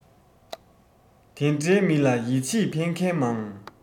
དེ འདྲའི མི ལ ཡིད ཆེས ཕན མཁན མང